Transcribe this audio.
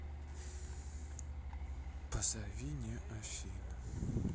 позови не афину